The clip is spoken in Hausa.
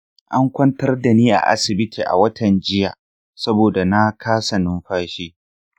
an kwantar da ni a asibiti a watan jiya saboda na kasa numfashi.